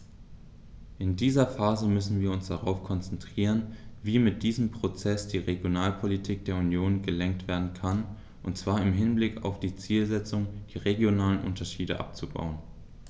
In dieser Phase müssen wir uns darauf konzentrieren, wie mit diesem Prozess die Regionalpolitik der Union gelenkt werden kann, und zwar im Hinblick auf die Zielsetzung, die regionalen Unterschiede abzubauen.